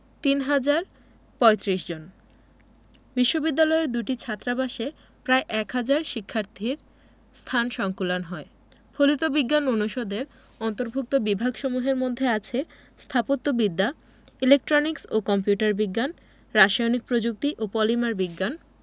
৩ হাজার ৩৫ জন বিশ্ববিদ্যালয়ের দুটি ছাত্রাবাসে প্রায় এক হাজার শিক্ষার্থীর স্থান সংকুলান হয় ফলিত বিজ্ঞান অনুষদের অন্তর্ভুক্ত বিভাগসমূহের মধ্যে আছে স্থাপত্যবিদ্যা ইলেকট্রনিক্স ও কম্পিউটার বিজ্ঞান রাসায়নিক প্রযুক্তি ও পলিমার বিজ্ঞান